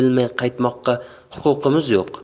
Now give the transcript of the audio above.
bilmay qaytmoqqa huquqimiz yo'q